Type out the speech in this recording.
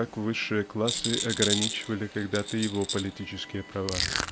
как высшие классы ограничивали когда то его политические права.